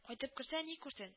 Кайтып керсә, ни күрсен